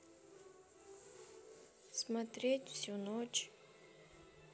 смотреть всю ночь